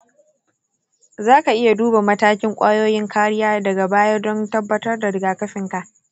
za ka iya duba matakin ƙwayoyin kariya daga baya don tabbatar da rigakafinka.